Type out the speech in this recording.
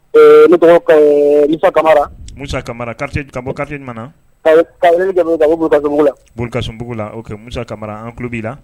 Nesa ka bɔ nanaka b la musa kamara an tulo b'i la